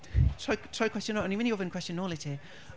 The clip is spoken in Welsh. Tro- troi'r cwestiwn yn ôl. O'n i'n mynd i ofyn cwestiwn nôl i ti.